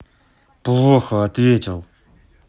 плохо ответил